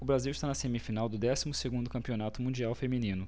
o brasil está na semifinal do décimo segundo campeonato mundial feminino